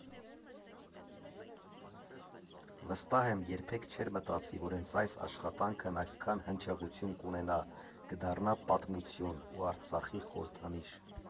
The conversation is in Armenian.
Վստահ եմ՝ երբեք չէր մտածի, որ հենց այս աշխատանքն այսքան հնչեղություն կունենա, կդառնա պատմություն ու Արցախի խորհրդանիշ։